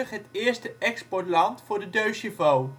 het eerste exportland voor de 2CV. De